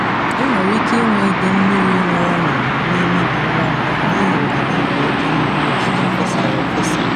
Enwere ike ịnwe ide mmiri nwere ọnọdụ na emebi ngwangwa n’ihi ụdịdị nke oke mmiri ozizo fesara efesa.